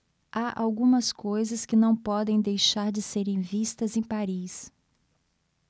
há algumas coisas que não podem deixar de serem vistas em paris